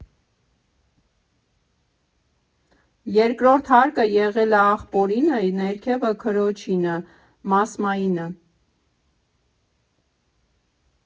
Երկրորդ հարկը եղել ա ախպորինը, ներքևը՝ քրոջինը՝ Մասմայինը։